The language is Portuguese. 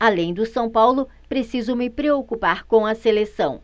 além do são paulo preciso me preocupar com a seleção